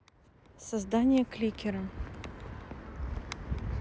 создание кликера